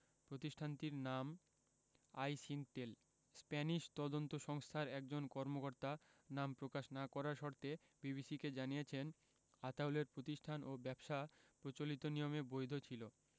প্রতিষ্ঠানটির নাম আইসিংকটেল স্প্যানিশ তদন্ত সংস্থার একজন কর্মকর্তা নাম প্রকাশ না করার শর্তে বিবিসিকে জানিয়েছেন আতাউলের প্রতিষ্ঠান ও ব্যবসা প্রচলিত নিয়মে বৈধ ছিল